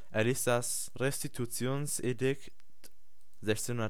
erließ das Restitutionsedikt (1629